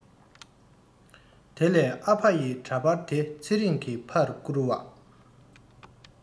དེ ལས ཨ ཕ ཡི འདྲ པར དེ ཚེ རིང གི ཕར བསྐུར པ